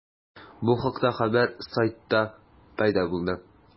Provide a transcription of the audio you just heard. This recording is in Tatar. Бу хакта хәбәр сайтта пәйда булды.